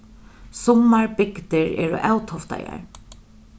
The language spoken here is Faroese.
summar bygdir eru avtoftaðar